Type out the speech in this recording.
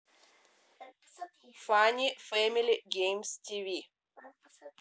фани фэмили геймс тиви